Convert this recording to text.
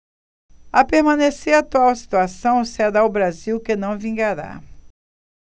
a permanecer a atual situação será o brasil que não vingará